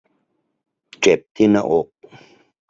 เจ็บที่หน้าอก